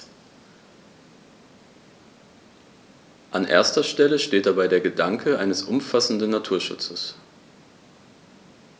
An erster Stelle steht dabei der Gedanke eines umfassenden Naturschutzes.